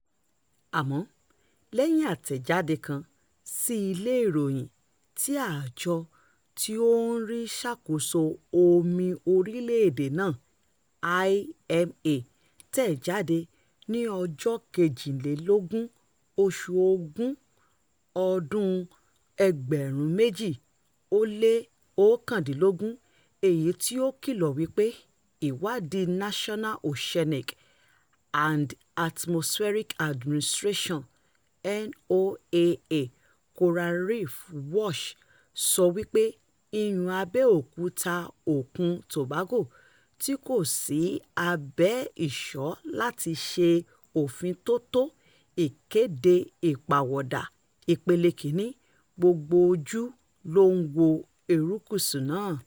Àmọ́ lẹ́yìn àtẹ̀jáde kan sí ilé ìròyìn tí Àjọ tí ó ń ṣàkóso Omi orílẹ̀ èdè náà (IMA) tẹ̀ jáde ní ọjọ́ 22, oṣù Ògún ọdún-un 2019, èyí tí ó kìlọ̀ wípé – ìwádìíi National Oceanic and Atmospheric Administration (NOAA) Coral Reef Watch sọ wípé — iyùn abẹ́ òkúta òkun Tobago ti bọ́ sì abẹ́ ìṣọ́ láti ṣe òfíntótó "Ìkéde Ìpàwọ̀dàa Ìpele Ìkíni", gbogbo ojú ló ń wo erékùṣù náà.